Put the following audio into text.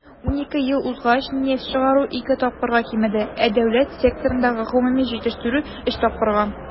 12 ел узгач нефть чыгару ике тапкырга кимеде, ә дәүләт секторындагы гомуми җитештерү - өч тапкырга.